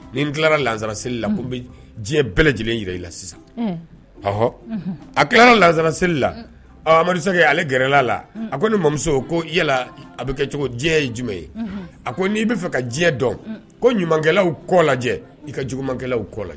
Ni n tilara lazsara seli la ko diɲɛ bɛɛ lajɛlen jira i la sisan ahɔ a tila lazra seli la amadusa ale gɛrɛla la a ko ni mamuso ko yala a bɛ kɛcogo diɲɛ ye jumɛn ye a ko n'i i bɛa fɛ ka diɲɛ dɔn ko ɲuman kɔ lajɛ i ka jkɛlaw kɔ lajɛ